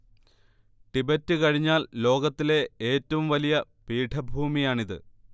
Tibet കഴിഞ്ഞാൽ ലോകത്തിലെ ഏറ്റവും വലിയ പീഠഭൂമിയാണിത്